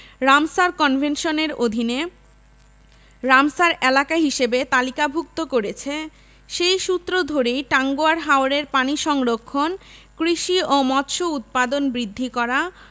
Ramsar কনভেনশনের অধীনে Ramsar এলাকা হিসেবে তালিকাভুক্ত করেছে সেই সূত্র ধরেই টাঙ্গুয়ার হাওরের পানি সংরক্ষণ কৃষি ও মৎস্য উৎপাদন বৃদ্ধি করা